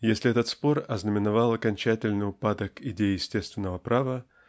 Если этот спор ознаменовал окончательный упадок идей естественного права